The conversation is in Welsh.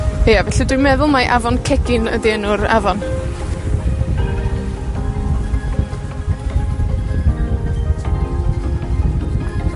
Ia, felly, dwi'n meddwl mai Afon Cegin ydi enw'r afon.